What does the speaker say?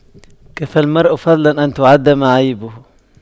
كفى المرء فضلا أن تُعَدَّ معايبه